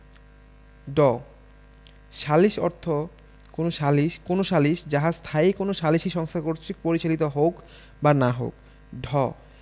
ড সালিস অর্থ কোন সালিস কোন সালিস যাহা স্থায়ী কোন সালিসী সংস্থা কর্তৃক পরিচালিত হউক বা না হউক ঢ